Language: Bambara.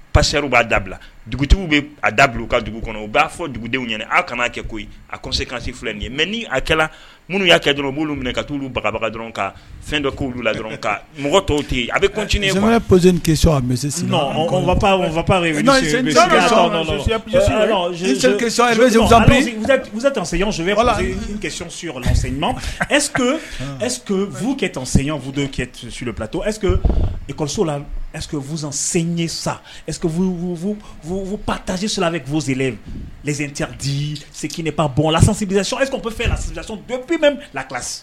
Pasiw b'a dabila dugutigitigiw bɛ a da bila u ka dugu kɔnɔ u b'a fɔ dugudenw ɲinin aw kana'a kɛ ko a se k fila nin ye mɛ ni a kɛra minnu y'a kɛ dɔrɔn' minɛ ka t' babaga dɔrɔn kan fɛn dɔ' la dɔrɔn mɔgɔ tɔw tɛ yen a bɛcininzfa eɔn sutɔ e ikɔso la e fuzsen sa e patasisizsilen z di pa bonla ela